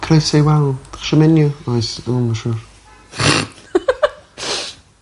Croeso i wal 'dych chi isio menu oes 'dw ma' siŵr.